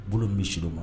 Bolo misidon ma